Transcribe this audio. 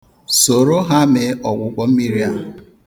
Soro ha mee ọgwụgwọ mmiri a.